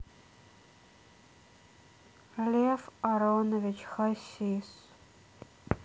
лев аронович хасис